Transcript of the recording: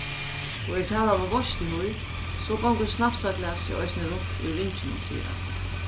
og er talan um veitsluhýr so gongur snapsaglasið eisini runt í ringinum sigur hann